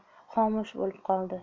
xomush bo'lib qoldi